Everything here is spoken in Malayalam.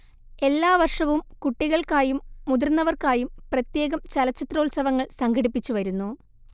എല്ലാ വർഷവും കുട്ടികൾക്കായും മുതിർന്നവർക്കായും പ്രത്യേകം ചലച്ചിത്രോത്സവങ്ങൾ സംഘടിപ്പിച്ചുവരുന്നു